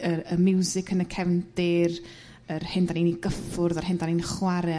y y miwsig yn y cefndir yr hyn 'dan ni'n 'i gyffwrdd ar hyn 'dan ni'n chwar'e